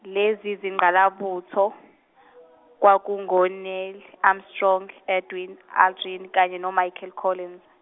lezi zingqalabutho, kwakungo Neil, Armstrong, Edwind, Aldrin kanye no Michael Collins.